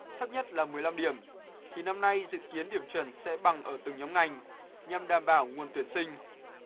thấp nhất là mười lăm điểm thì năm nay dự kiến điểm chuẩn sẽ bằng ở từng nhóm ngành nhằm đảm bảo nguồn tuyển sinh